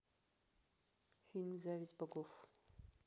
фильм зависть богов